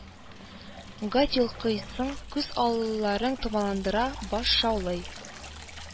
Гать йолкыйсың, күз алларың томанландыра, баш шаулый